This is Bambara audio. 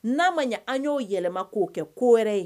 N'a ma an y'o yɛlɛma k'o kɛ koɛ ye